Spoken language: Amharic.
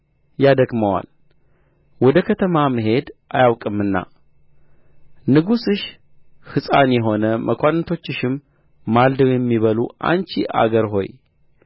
ያደክመዋል ወደ ከተማ መሄድ አያውቅምና ንጉሥሽ ሕፃን የሆነ መኳንንቶችሽም ማልደው የሚበሉ አንቺ አገር ሆይ